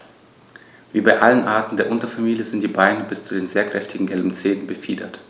Wie bei allen Arten der Unterfamilie sind die Beine bis zu den sehr kräftigen gelben Zehen befiedert.